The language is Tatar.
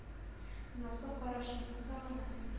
Назлы карашыңны сагынып